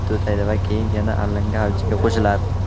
tutaydi da keyin yana alanga avjiga qo'shiladi